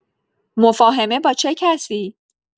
مفاهمه با چه کسی؟